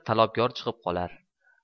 talabgorlar chiqib qolar